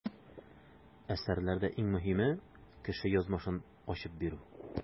Әсәрләрдә иң мөһиме - кеше язмышын ачып бирү.